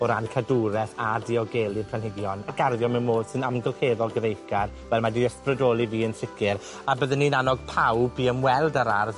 o ran cadwreth, a diogelu'r planhigion, a garddio mewn modd sy'n amgylcheddol gyfeillgar, wel ma' 'di ysbrydoli fi, yn sicir, a byddwn i'n annog pawb i ymweld â'r ardd